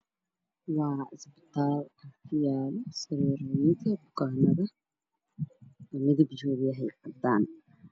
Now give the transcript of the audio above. Waa isbitaal ku yaalo iskaboornada midabkooda yahay cadaan